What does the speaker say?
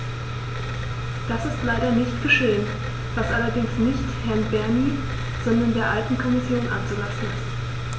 Das ist leider nicht geschehen, was allerdings nicht Herrn Bernie, sondern der alten Kommission anzulasten ist.